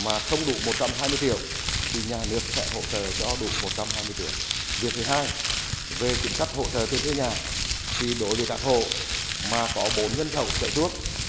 mà không đủ một trăm hai mươi triệu thì nhà nước sẽ hỗ trợ cho đủ một trăm hai mươi triệu việc thứ hai về chính sách hỗ trợ tiền thuê nhà thì đối với các hộ mà có bốn nhân khẩu trở xuống